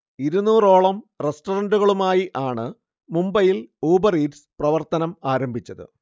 ഇരുന്നൂറോളം റെസ്റ്ററന്റുകളുമായി ആണ് മുംബൈയിൽ ഊബർ ഈറ്റ്സ് പ്രവർത്തനം ആരംഭിച്ചത്